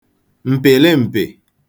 m̀pị̀lị̀mpị̀